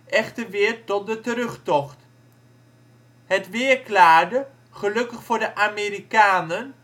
echter weer tot de terugtocht. Het weer klaarde, gelukkig voor de Amerikanen